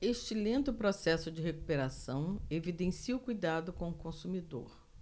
este lento processo de recuperação evidencia o cuidado com o consumidor